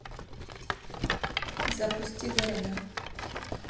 запусти города